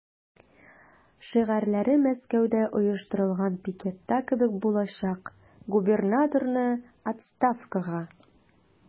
Шигарьләре Мәскәүдә оештырылган пикетта кебек булачак: "Губернаторны– отставкага!"